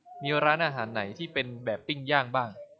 มีร้านอาหารไหนที่เป็นแบบปิ้งย่างบ้าง